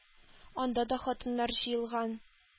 Анда да хатыннар җыелган,